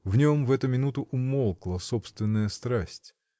В нем в эту минуту умолкла собственная страсть.